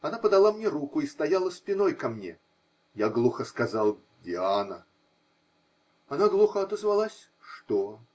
Она подала мне руку и стояла спиной ко мне. Я глухо сказал: -- Диана. Она глухо отозвалась: -- Что?